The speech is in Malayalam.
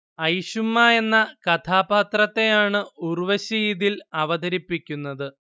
ഐഷുമ്മ എന്ന കഥാപാത്രത്തെയാണ് ഉർവശി ഇതിൽ അവതരിപ്പിക്കുന്നത്